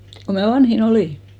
kun minä vanhin olin